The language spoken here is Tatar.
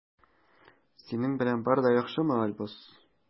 Синең белән бар да яхшымы, Альбус?